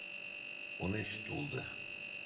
Унөч тулды.